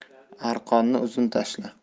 arqonni uzun tashla